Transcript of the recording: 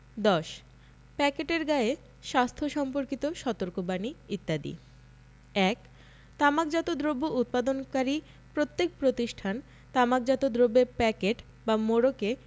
১০ প্যাকেটের গায়ে স্বাস্থ্য সম্পর্কিত সতর্কবাণী ইত্যাদি ১ তামাকজাত দ্রব্য উৎপাদনকারী প্রত্যেক প্রতিষ্ঠান তামাকজাত দ্রব্যের প্যাকেট বা মোড়কে